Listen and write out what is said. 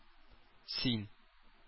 Син